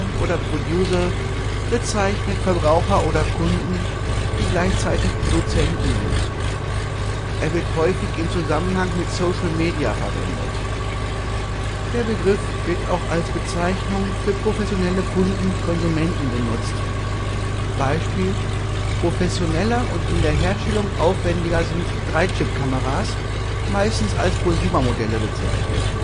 oder „ produser “) bezeichnet Verbraucher oder Kunden, die gleichzeitig Produzenten sind. Er wird häufig im Zusammenhang mit Social Media verwendet. Der Begriff wird auch als Bezeichnung für professionelle Kunden (Konsumenten) genutzt, Beispiel: „ Professioneller und in der Herstellung aufwändiger sind 3-Chip-Kameras, meistens als Prosumer-Modelle bezeichnet